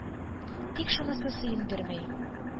Тик шунысы сөендерми: